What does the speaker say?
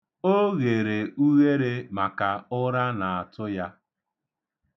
O ghere ughere maka ụra na-atụ ya.